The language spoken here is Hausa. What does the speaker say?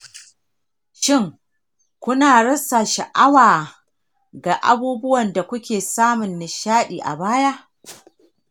shin ku na rasa sha'awa ga abubuwan da kuke samun nishaɗi a baya?